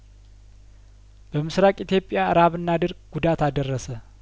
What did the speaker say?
በምስራቅ ኢትዮጵያ ራብና ድርቅ ጉዳት አደረሰ